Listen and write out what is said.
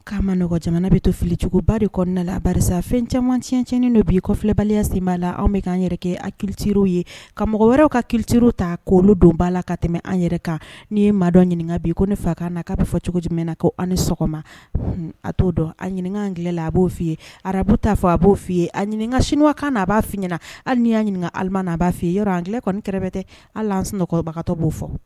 K koa ma nɔgɔya jamana bɛ to filicogoba de kɔnɔna la ba fɛn camancɛncen dɔ bi kɔfilɛbaliya sen b'a la an bɛ anan yɛrɛ kɛ a kitiw ye ka mɔgɔ wɛrɛw ka kite ta koro don b'a la ka tɛmɛ an yɛrɛ kan nii ye maa dɔn ɲininka bi ko ne fa kan na k kaa bɛ fɔ cogo jumɛn na ko ani ni sɔgɔma a t'o dɔn a ɲininkaanla a b' f fɔi ye a arabu t'a fɔ a b'o f fɔi ye a ɲini ɲininkaka siniɲɔgɔn kan na a b'a fɔi ɲɛnaina hali ni y'a ɲininka a ma' a b'a fɔ ye yɔrɔ an kɔni kɛrɛfɛ tɛ hali an senɔgɔbagatɔ bo fɔ